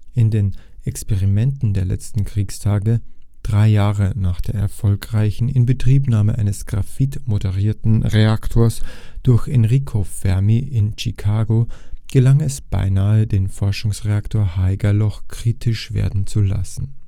In den Experimenten der letzten Kriegstage, drei Jahre nach der erfolgreichen Inbetriebnahme eines Graphit-moderierten Reaktors durch Enrico Fermi in Chicago, gelang es beinahe, den Forschungsreaktor Haigerloch kritisch werden zu lassen